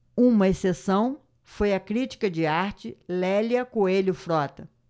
uma exceção foi a crítica de arte lélia coelho frota